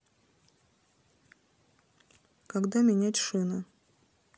когда менять шины